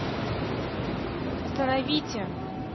остановите